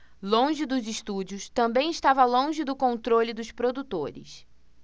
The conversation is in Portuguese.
longe dos estúdios também estava longe do controle dos produtores